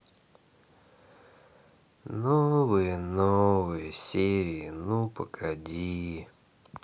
новые новые серии ну погоди